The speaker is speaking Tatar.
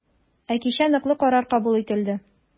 Ә кичә ныклы карар кабул ителде.